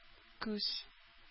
Күз